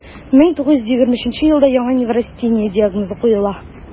1923 елда аңа неврастения диагнозы куела: